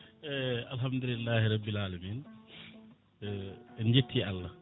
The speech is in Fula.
alhamdulillahi rabbil alamina en jetti Allah